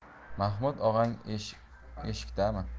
mahmud og'ang eshikdami